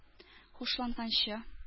Хушланганчы